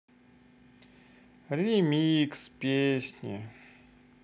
ремикс песни